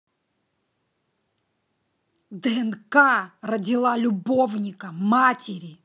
днк родила любовника матери